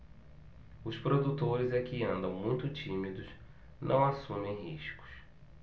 os produtores é que andam muito tímidos não assumem riscos